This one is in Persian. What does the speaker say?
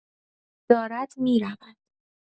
دارد می‌رود!